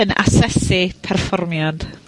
Yn asesu perfformiad...